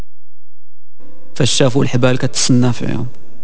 تشوفون حبالك النافعه